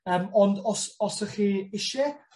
Yym ond os os o'ch chi isie